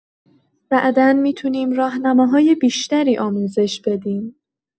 بعدا می‌تونیم راهنماهای بیشتری آموزش بدیم.